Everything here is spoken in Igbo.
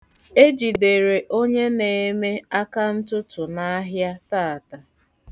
E jidere onye na-eme akantụtụ n'ahịa taata.